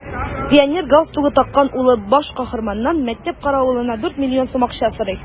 Пионер галстугы таккан улы баш каһарманнан мәктәп каравылына дүрт миллион сум акча сорый.